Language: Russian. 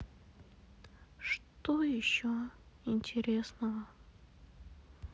что еще интересного